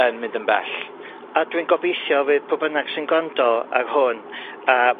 yn mynd yn bell. A dwi'n gobeithio fydd pw bynnag sy'n gwrando ar hwn yy